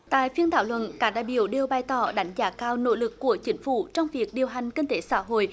tại phiên thảo luận các đại biểu đều bày tỏ đánh giá cao nỗ lực của chính phủ trong việc điều hành kinh tế xã hội